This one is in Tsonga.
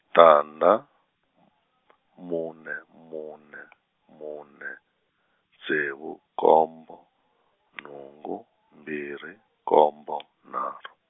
tandza , mune mune mune, ntsevu nkombo, nhungu, mbirhi nkombo, nharhu.